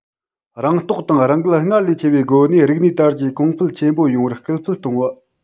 རང རྟོགས དང རང འགུལ སྔར ལས ཆེ བའི སྒོ ནས རིག གནས དར རྒྱས གོང འཕེལ ཆེན པོ ཡོང བར སྐུལ སྤེལ གཏོང བ